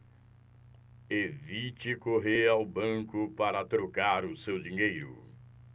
evite correr ao banco para trocar o seu dinheiro